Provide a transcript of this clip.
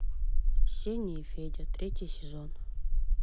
сеня и федя третий сезон